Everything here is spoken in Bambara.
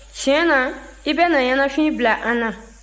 tiɲɛ na i bɛna ɲɛnafin bila an na